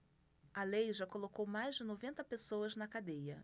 a lei já colocou mais de noventa pessoas na cadeia